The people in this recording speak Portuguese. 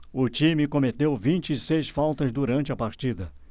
o time cometeu vinte e seis faltas durante a partida